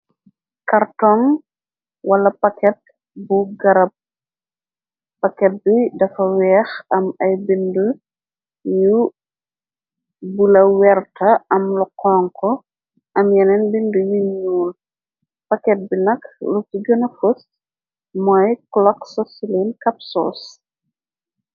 Kartong wala paket bu garab paket bi dafa wèèx am ay bindi yu bula, werta am lu xonxu am yenen bindi yu ñuul. Paket bi nak luci gëna fas moy klok saslin kapsos.